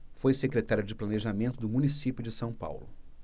foi secretário de planejamento do município de são paulo